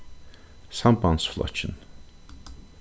sambandsflokkin